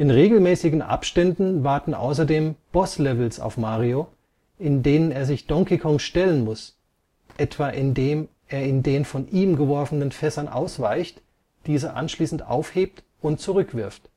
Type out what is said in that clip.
regelmäßigen Abständen warten außerdem Boss-Levels auf Mario, in denen er sich Donkey Kong stellen muss, etwa indem er den von ihm geworfenen Fässern ausweicht, diese anschließend aufhebt und zurückwirft